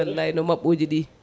wallay no mabɓoji ɗi